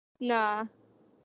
Na.